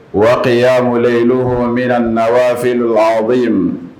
Waa y'a maloɛlɛyi hɔnmina na na waati wagati aw bɛ yen mun